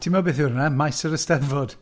Timod beth yw rheina, mice yr Eisteddfod.